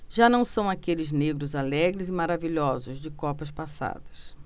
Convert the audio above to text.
já não são aqueles negros alegres e maravilhosos de copas passadas